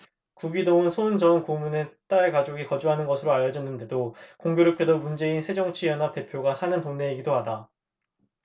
구기동은 손 전 고문의 딸 가족이 거주하는 것으로 알려졌는데 공교롭게도 문재인 새정치연합 대표가 사는 동네이기도 하다